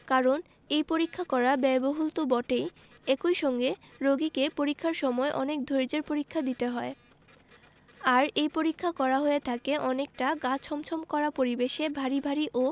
কারণ এই পরীক্ষা করা ব্যয়বহুল তো বটেই একই সাথে রোগীকে পরীক্ষার সময় অনেক ধৈর্য্যের পরীক্ষা দিতে হয় আর এই পরীক্ষা করা হয়ে থাকে অনেকটা গা ছমছম করা পরিবেশে ভারী ভারী ও